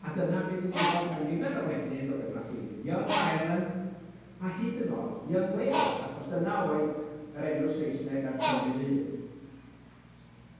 A dyna be' ddigwyddodd mewn nifer o wledydd o' gynnoch chi Young Ireland, a hyd yn o'd Young Wales, achos dyna oedd yr enw Saesneg ar Cymru Fydd.